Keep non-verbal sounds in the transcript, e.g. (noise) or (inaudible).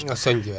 (hesitation) conñde (hesitation)